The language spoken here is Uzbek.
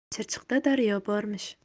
chirchiqda daryo bormish